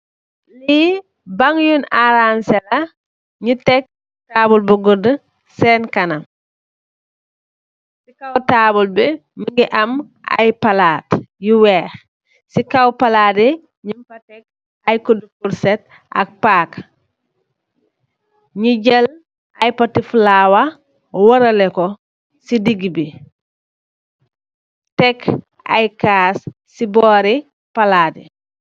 Li bang yun aranseh la nyu teck tabul bi gudu sen kanam si kaw tabul bi mogi am ay palat yu weex si kaw palatt bi nyun fa teck ay kodu froset ak paka nyu gel ay poti flower worele ko si degi bi teck ay cass s bori palatt bi.